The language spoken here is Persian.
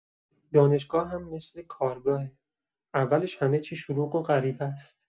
دانشگاه هم مثل کارگاهه، اولش همه‌چی شلوغ و غریبه‌ست.